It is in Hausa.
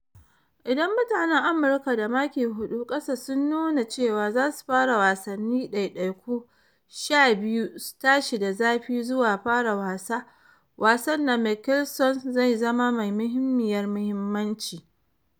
Idan mutanen amurka, da maki hudu kasa sun nuna cewa za su fara wasanni daidaiku 12, su tashi da zafi zuwa fara wasa, wasan na Mickelson zai zama mai muhimmiyar mahimmanci.